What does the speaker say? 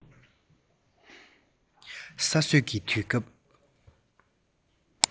ས སྲོད ཀྱི དུས ཚོད